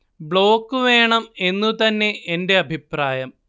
block വേണം എന്നു തന്നെ എന്റെ അഭിപ്രായം